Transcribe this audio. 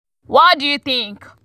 “What do you think?